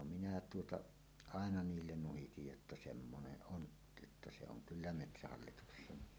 no minä tuota aina niille nuhitin jotta semmoinen on jotta se on kyllä metsähallituksen